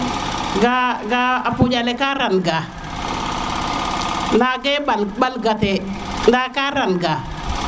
gaa a puƴa le ka ran ga mbage ɓalig ɓal gate nda ka ran ga